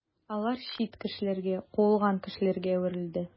Алар чит кешеләргә, куылган кешеләргә әверелде.